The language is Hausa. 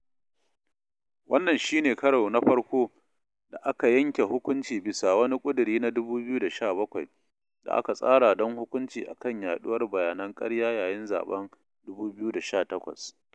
Wannan shi ne karon na farko da aka yanke hukunci bisa wani ƙudiri na 2017 da aka tsara don hukunci akan yaɗuwar bayanan ƙarya yayin zaɓen 2018.